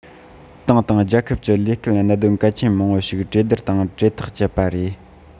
ཏང དང རྒྱལ ཁབ ཀྱི ལས སྐལ གནད དོན གལ ཆེན མང པོ ཞིག གྲོས བསྡུར དང འབྲེལ ཐག བཅད པ རེད